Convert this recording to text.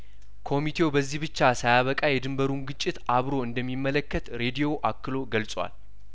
ኮሚቴው በዚህ ብቻ ሳያበቃ የድንበሩን ግጭት አብሮ እንደሚመለከት ሬዲዮው አክሎ ገልጿል